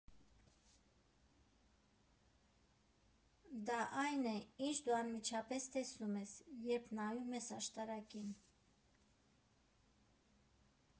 «Դա այն է, ինչ դու անմիջապես տեսնում ես, երբ նայում ես աշտարակին։